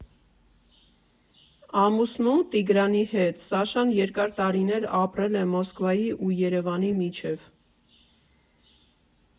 Ամուսնու՝ Տիգրանի հետ, Սաշան երկար տարիներ ապրել է Մոսկվայի ու Երևանի միջև։